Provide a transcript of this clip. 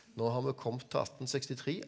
nå har vi kommet til attensekstitre.